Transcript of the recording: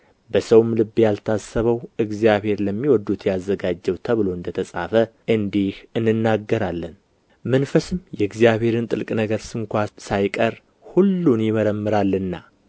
በሰውም ልብ ያልታሰበው እግዚአብሔር ለሚወዱት ያዘጋጀው ተብሎ እንድተጻፈ እንዲህ እንናገራለን መንፈስም የእግዚአብሔርን ጥልቅ ነገር ስንኳ ሳይቀር ሁሉን ይመረምራልና